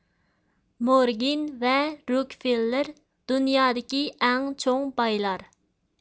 مورگىن ۋە روكفىللىر دۇنيادىكى ئەڭ چوڭ بايلار